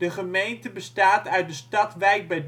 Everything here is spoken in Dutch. gemeente bestaat uit de stad Wijk bij